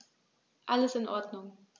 Alles in Ordnung.